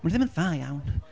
Maen nhw ddim yn dda iawn.